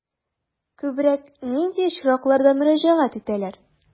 Күбрәк нинди очракларда мөрәҗәгать итәләр?